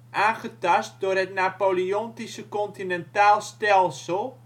aangetast door het Napoleontische Continentaal Stelsel